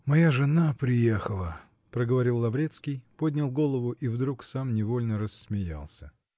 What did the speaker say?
-- Моя жена приехала, -- проговорил Лаврецкий, поднял голову и вдруг сам невольно рассмеялся.